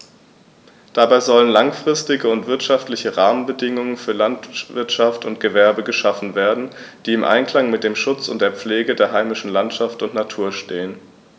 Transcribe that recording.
Dabei sollen langfristige und wirtschaftliche Rahmenbedingungen für Landwirtschaft und Gewerbe geschaffen werden, die im Einklang mit dem Schutz und der Pflege der heimischen Landschaft und Natur stehen.